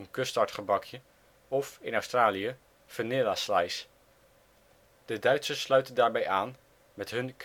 custardgebakje) of (in Australië) vanilla slice. De Duitsers sluiten daarbij aan met hun